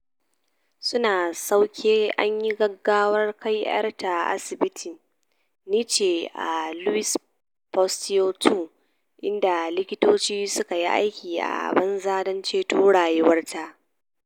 Su na sauke an yi gaggawar kai 'yarta asibitin Nice a Louis Pasteur 2, inda likitoci suka yi aiki a banza don ceto rayuwarta.